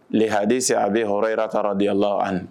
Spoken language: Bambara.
hadise a bɛ hɔrɔn yɔrɔta de la ani